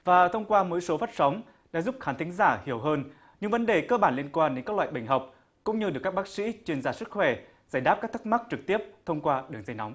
và thông qua mỗi số phát sóng đã giúp khán thính giả hiểu hơn những vấn đề cơ bản liên quan đến các loại bệnh học cũng như được các bác sĩ chuyên gia sức khỏe giải đáp các thắc mắc trực tiếp thông qua đường dây nóng